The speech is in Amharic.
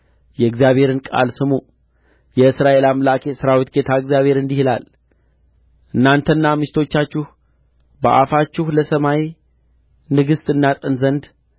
የእግዚአብሔርን ቃል ስሙ የእስራኤል አምላክ የሠራዊት ጌታ እግዚአብሔር እንዲህ ይላል እናንተና ሚስቶቻችሁ በአፋችሁ ለሰማይ ንግሥት እናጥን ዘንድ